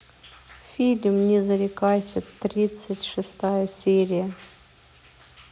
фильм не зарекайся тридцать шестая серия